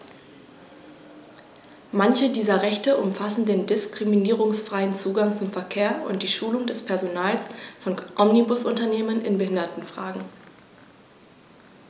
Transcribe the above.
Manche dieser Rechte umfassen den diskriminierungsfreien Zugang zum Verkehr und die Schulung des Personals von Omnibusunternehmen in Behindertenfragen.